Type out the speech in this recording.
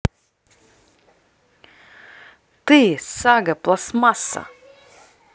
ты сага пластмасса